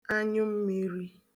anyụmmīrī